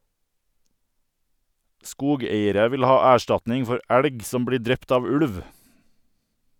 Skogeiere vil ha erstatning for elg som blir drept av ulv.